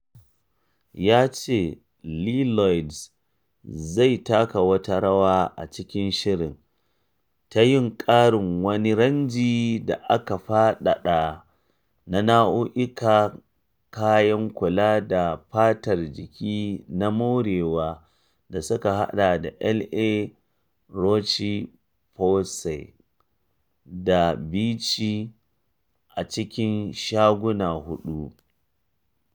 Ya ce Llyods zai taka wata rawa a cikin shirin, ta yin ƙarin wani ranji da aka faɗaɗa na nau’ukan kayan kula da fatar jiki na morewa da suka haɗa da La Roche-Posay da Vichy a cikin shaguna huɗu.